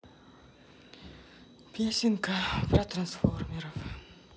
песенки про трансформеров